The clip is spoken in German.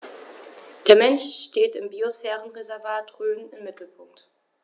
Der Mensch steht im Biosphärenreservat Rhön im Mittelpunkt.